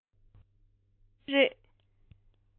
ཞི ཕྲུག དེ གང དེ རེད